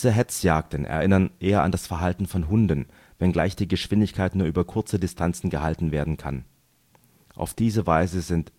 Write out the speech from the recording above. Hetzjagden erinnern eher an das Verhalten von Hunden, wenngleich die Geschwindigkeit nur über kurze Distanzen gehalten werden kann. Auf diese Weise sind